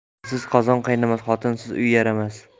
o'tinsiz qozon qaynamas xotinsiz uy yayramas